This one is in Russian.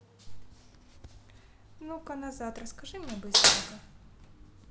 ну ка назад расскажи мне быстренько